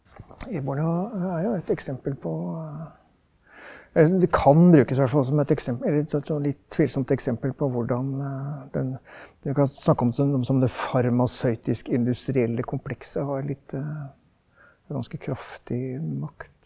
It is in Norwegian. ebola er jo et eksempel på , det kan brukes i hvert fall som et eller et sånt litt tvilsomt eksempel på hvordan den du kan snakke som om som om det farmasøytisk-industrielle komplekset har litt ganske kraftig makt.